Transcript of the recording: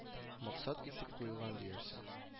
Максат итеп куелган диярсең